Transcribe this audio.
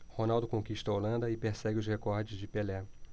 ronaldo conquista a holanda e persegue os recordes de pelé